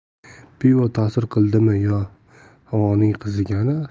pivo tasir qildimi yo havoning qizigani